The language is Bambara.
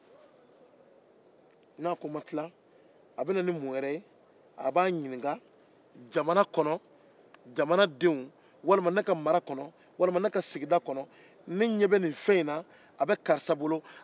n'a ko a ma tila a bɛ numukɛ ɲininka k'ale ɲɛ bɛ nin fɛn in karisa bolo jamana kɔnɔ